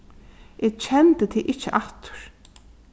eg kendi teg ikki aftur